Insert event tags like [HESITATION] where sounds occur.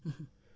[HESITATION] [HESITATION]